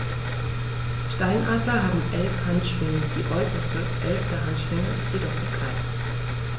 Steinadler haben 11 Handschwingen, die äußerste (11.) Handschwinge ist jedoch sehr klein.